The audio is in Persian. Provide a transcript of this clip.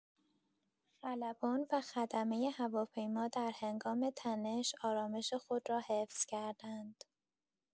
خلبان و خدمه هواپیما در هنگام تنش، آرامش خود را حفظ کردند.